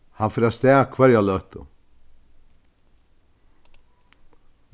hann fer avstað hvørja løtu